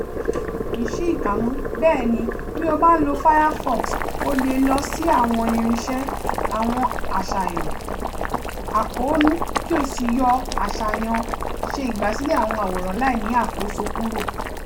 (Bẹ́ẹ̀ ni, bí o bá ń lo Firefox o lè lọ sí àwọn Irinṣẹ́ -> àwọn Àṣàyàn -> Àkóónú kí ó sì yọ àṣàyàn 'Ṣe ìgbàsílẹ̀ àwọn àwòrán láìní àkóso' kúrò.